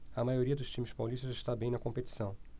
a maioria dos times paulistas está bem na competição